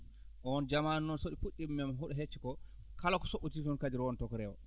oon jamaanu noon so ɗi puɗɗiima meemde huɗo hecco ko kala ko soɓɓitii toon kadi rontoo ko reewo